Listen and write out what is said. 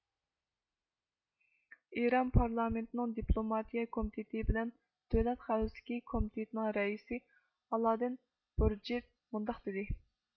ئىران پارلامېنتىنىڭ دېپلوماتىيە كومىتېتى بىلەن دۆلەت خەۋپىسزلىكى كومىتېتىنىڭ رەئىسى ئالادىن بۇرۇجېد مۇنداق دېدى